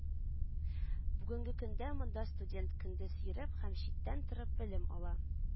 Бүгенге көндә монда студент көндез йөреп һәм читтән торып белем ала